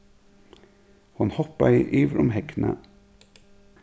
hon hoppaði yvir um hegnið s